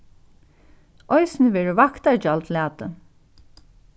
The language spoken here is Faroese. eisini verður vaktargjald latið